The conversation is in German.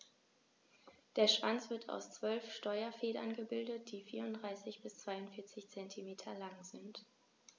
Der Schwanz wird aus 12 Steuerfedern gebildet, die 34 bis 42 cm lang sind.